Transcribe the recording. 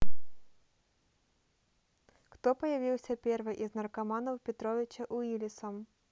кто появился первый из наркоманов петровича уиллисом